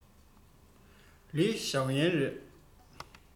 ལིའི ཞའོ ཡན རེད